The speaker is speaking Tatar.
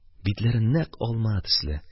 Битләре нәкъ алма төсле